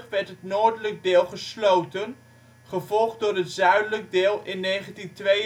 werd het noordelijk deel gesloten, gevolgd door het zuidelijk deel in 1972. In 1909